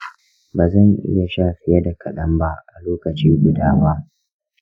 ba zan iya sha fiye da kadan ba a lokaci guda ba.